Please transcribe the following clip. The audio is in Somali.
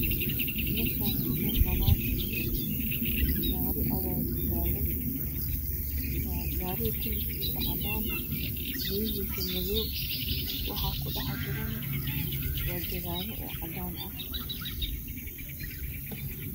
Meshan waa meelbanaan gaari ayaa taagan gaariga kalarkiisa cadaan lugihiisa madow waxaa kudhexjirane waa juwaano cadanah